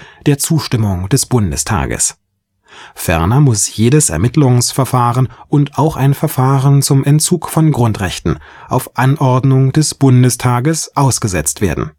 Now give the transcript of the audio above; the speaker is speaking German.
Zustimmung des Bundestages. Ferner muss jedes Ermittlungsverfahren und auch ein Verfahren zum Entzug von Grundrechten auf Anordnung des Bundestages ausgesetzt werden